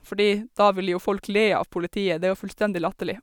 Fordi da vil jo folk le av politiet, det er jo fullstendig latterlig.